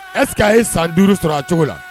Ɛseke a ye san duuru sɔrɔ a cogo la